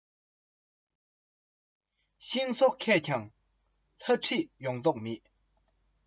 གང ལ མཁས པའི མི དེ ལས ལ མངགས